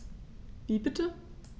Wie bitte?